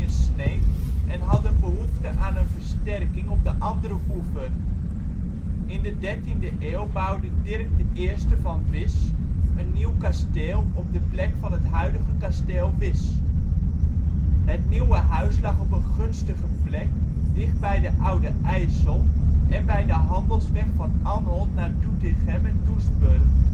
sneed en hadden behoefte aan een versterking op de andere oever. In de dertiende eeuw bouwde Dirk I van Wisch een nieuw kasteel op de plek van het huidige kasteel Wisch. Het nieuwe huis lag op een gunstige plek, dichtbij de Oude IJssel en bij de handelsweg van Anholt naar Doetinchem en Doesburg